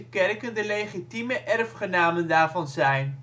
kerken de legitieme erfgenamen daarvan zijn